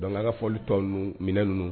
Donc an ka fɔli tɔw ,minɛ ninnu